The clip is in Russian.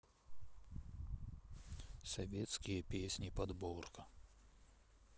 советские песни подборка